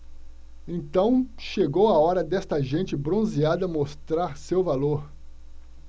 então chegou a hora desta gente bronzeada mostrar seu valor